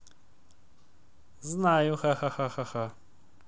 знаю хахаха